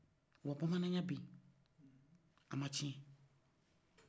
wa bamananya bɛyi a ma cɛn